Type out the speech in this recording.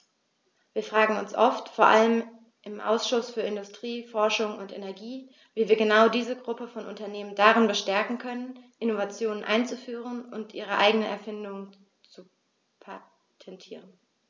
Wir fragen uns oft, vor allem im Ausschuss für Industrie, Forschung und Energie, wie wir genau diese Gruppe von Unternehmen darin bestärken können, Innovationen einzuführen und ihre eigenen Erfindungen zu patentieren.